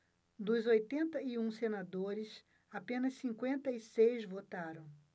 dos oitenta e um senadores apenas cinquenta e seis votaram